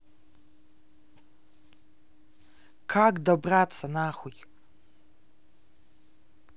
как добраться нахуй